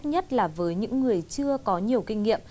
nhất là với những người chưa có nhiều kinh nghiệm